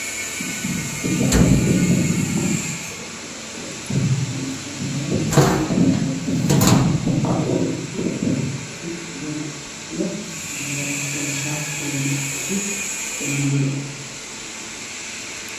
Meeshan waa hool oo ca fadhiya niman iyo naga fara badan waxay ku fadhiyaan kuraas fadhi cadaan ah suudaan iyo